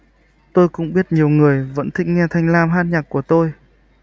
tôi cũng biết nhiều người vẫn thích nghe thanh lam hát nhạc của tôi